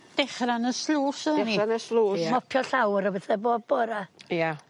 Dechra yn y sluice o'dd o? 'De ni. Yn y sluice Mopio'r llawr o bethe bob bora. Ia.